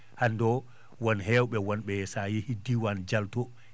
hannde won heewɓe wonɓe so a yehii diwaan Dial to